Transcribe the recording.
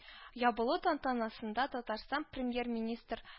Ябылу тантанасында Татарстан Премьер-министр